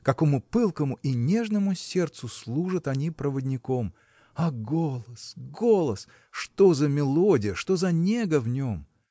какому пылкому и нежному сердцу служат они проводником! а голос, голос! что за мелодия, что за нега в нем!